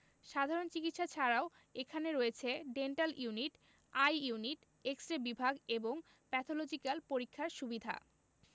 সাধারণ চিকিৎসা ছাড়াও এখানে রয়েছে dental unit eye unit X ray বিভাগ এবং প্যাথলজিক্যাল পরীক্ষার সুবিধা